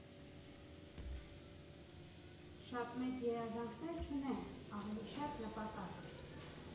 Շատ մեծ երազանքներ չունեմ, ավելի շատ նպատակ.